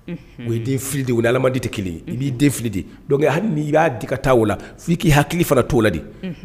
O i den fili dedi tɛ kelen i b'i den fili deke hali i y'a di ka taa o la fo i k'i hakili fana t la di